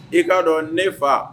I'a dɔn ne fa